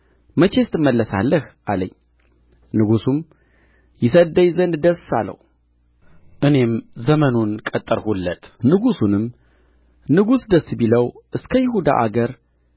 መቼስ ትመለሳለህ አለኝ ንጉሡም ይሰድደኝ ዘንድ ደስ አለው እኔም ዘመኑን ቀጠርሁለት ንጉሡንም ንጉሡ ደስ ቢለው እስከ ይሁዳ አገር